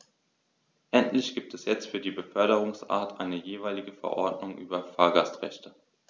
Endlich gibt es jetzt für jede Beförderungsart eine jeweilige Verordnung über Fahrgastrechte.